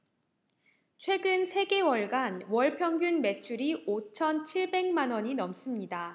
최근 세 개월간 월 평균 매출이 오 천 칠 백만 원이 넘습니다